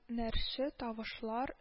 Нәрче тавышлар